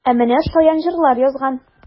Ә менә шаян җырлар язган!